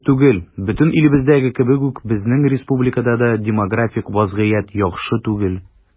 Сер түгел, бөтен илебездәге кебек үк безнең республикада да демографик вазгыять яхшы түгел.